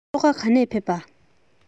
ལྷོ ཁ ག ནས ཕེབས པ